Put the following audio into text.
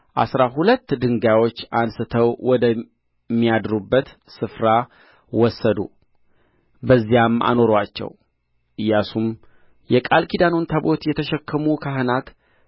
አሥራ ሁለት ድንጋዮች አንሥተው ወደሚያድሩበት ስፍራ ወሰዱ በዚያም አኖሩአቸው ኢያሱም የቃል ኪዳኑን ታቦት የተሸከሙ ካህናት